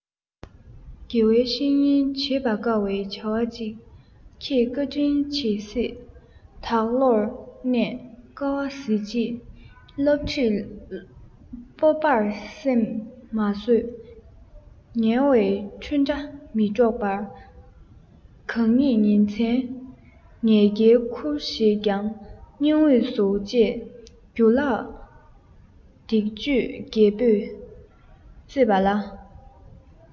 དགེ བའི བཤེས གཉེན བརྗེད པར དཀའ བའི བྱ བ གཅིག ཁྱེད བཀའ དྲིན ཇི སྲིད བདག བློར གནས དཀའ བ གཟི བརྗིད སློབ ཁྲིད སྤོབས པར སེམས མ བཟོད ངལ བའི འཁུན སྒྲ མི སྒྲོག པར གང ཉིད ཉིན མཚན ངལ བརྒྱའི ཁུར བཞེས ཀྱང སྙིང དབུས སུ བཅས རྒྱུ ལགས སྡིག སྤྱོད རྒྱལ པོས གཙེས པ ལ